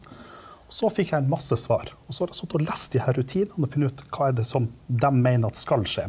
og så fikk jeg en masse svar, og så har jeg sittet og lest de her rutinene og funnet ut hva er det som dem meiner at skal skje.